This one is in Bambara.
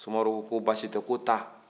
sumaworo ko basi tɛ ko taa